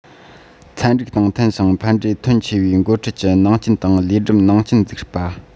ཚན རིག དང མཐུན ཞིང ཕན འབྲས ཐོན ཆེ བའི འགོ ཁྲིད ཀྱི ནང རྐྱེན དང ལས སྒྲུབ ནང རྐྱེན འཛུགས པ